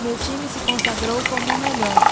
meu time se consagrou como o melhor